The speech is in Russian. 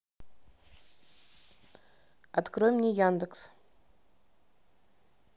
открой мне яндекс